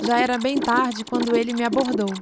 já era bem tarde quando ele me abordou